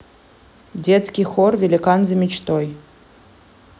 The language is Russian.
детский хор великан за мечтой